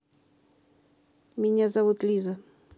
меня зовут лиза